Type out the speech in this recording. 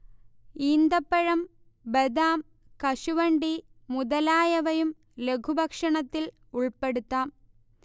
ഈന്തപ്പഴം, ബദാം, കശുവണ്ടി മുതലായവയും ലഘുഭക്ഷണത്തിൽ ഉൾപ്പെടുത്താം